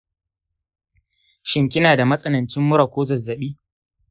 shin kina da matsanancin mura ko zazzabi?